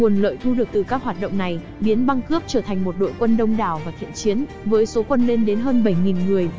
nguồn lợi từ các hoạt động này biến băng cướp trở thành đội quân đông đảo và thiện chiến với số quân lên đến hơn người